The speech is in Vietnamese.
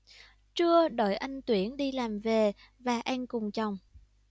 trưa đợi anh tuyển đi làm về và ăn cùng chồng